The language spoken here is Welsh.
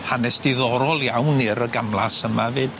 Hanes diddorol iawn i'r yy gamlas yma 'fyd.